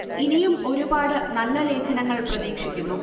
ഇനിയും ഒരുപാട് നല്ല ലേഖനങ്ങൾ പ്രതീക്ഷിക്കുന്നു